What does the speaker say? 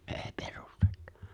ei perustetta